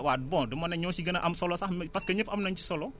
waa bon du ma ne ñoo si gën a am solo sax parce que ñëpp am nañ ci solo